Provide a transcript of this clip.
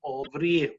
o fry.